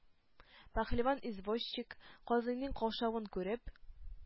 Пәһлеван извозчик, казыйның каушавын күреп,